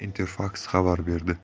interfaks xabar berdi